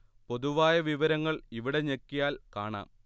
പൊതുവായ വിവരങ്ങൾ ഇവിടെ ഞെക്കിയാൽ കാണാം